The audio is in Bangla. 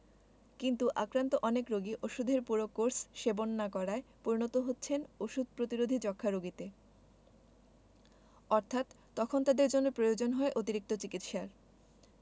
কিন্তু আক্রান্ত অনেক রোগী ওষুধের পুরো কোর্স সেবন না করায় পরিণত হচ্ছেন ওষুধ প্রতিরোধী যক্ষ্মা রোগীতে অর্থাৎ তখন তাদের জন্য প্রয়োজন হয় অতিরিক্ত চিকিৎসার